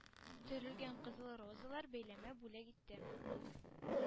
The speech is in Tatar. Төрелгән кызыл розалар бәйләме бүләк итте.